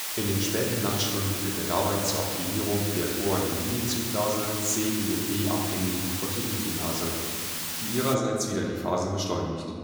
In den späten Nachtstunden führt er dabei zur Aktivierung der Guanylylcyclase-cGMP-abhängigen Proteinkinase (PKG-cGMP-dependent protein kinase), die ihrerseits wieder die Phasen beschleunigt